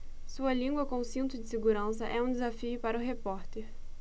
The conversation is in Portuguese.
sua língua com cinto de segurança é um desafio para o repórter